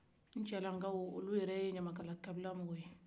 ncɛlankaw o lu yɛrɛ ye ɲamakala kabila mɔgɔ ye